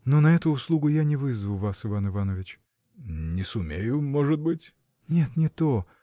Но на эту услугу я не вызову вас, Иван Иванович. — Не сумею, может быть? — Нет, не то!